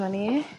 'Ma ni.